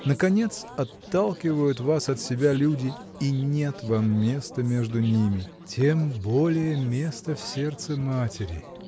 наконец отталкивают вас от себя люди и нет вам места между ними – тем более места в сердце матери.